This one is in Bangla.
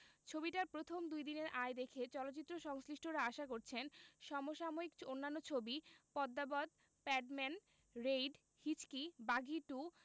ছবিটার প্রথম দুইদিনের আয় দেখে চলচ্চিত্র সংশ্লিষ্টরা আশা করছেন সম সাময়িক অন্যান্য ছবি Padmaavat Padman Raid Hichki Baaghi two